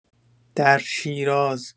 در شیراز